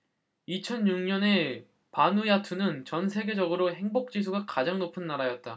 이천 육 년에 바누아투는 전 세계적으로 행복 지수가 가장 높은 나라였다